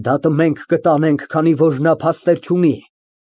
Դատը մենք կտանենք, քանի որ նա փաստեր չունի։